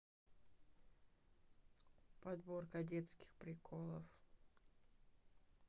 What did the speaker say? подборка детских приколов